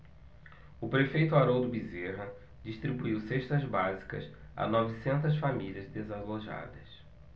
o prefeito haroldo bezerra distribuiu cestas básicas a novecentas famílias desalojadas